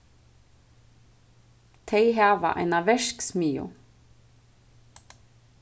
tey hava eina verksmiðju